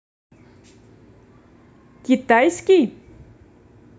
китайский